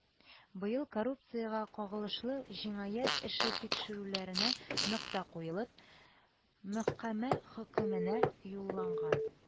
Быел коррупциягә кагылышлы җинаять эше тикшерүләренә нокта куелып, мәхкәмә хөкеменә юлланган